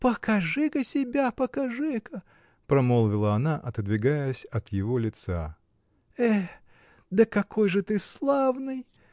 -- Покажи-ка себя, покажи-ка, -- промолвила она, отодвигаясь от его лица. -- Э! да какой же ты славный.